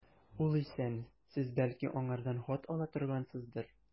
Ул исән, сез, бәлки, аңардан хат ала торгансыздыр.